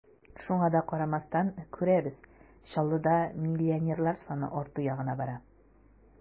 Шуңа да карамастан, күрәбез: Чаллыда миллионерлар саны арту ягына бара.